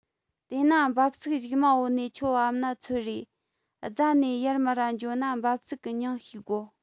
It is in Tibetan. དེས ན འབབ ཚིགས གཞུག མ བོ ནས ཁྱོད བབས ན ཚོད དྲེས རྫ ནས ཡར མར ར འགྱོ ན འབབ ཚིགས གི མྱིང ཤེས དགོ